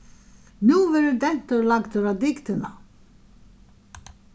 nú verður dentur lagdur á dygdina